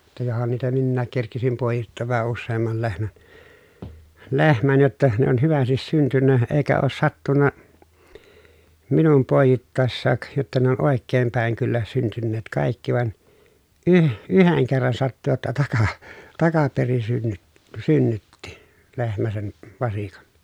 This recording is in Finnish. ja johan niitä minäkin kerkisin poi'ittaa vähän useamman lehmän lehmän jotta ne on hyvästi syntynyt eikä ole sattunut minun poi'ittaessakaan jotta ne on oikein päin kyllä syntyneet kaikki vaan - yhden kerran sattui jotta - takaperin - synnytti lehmä sen vasikan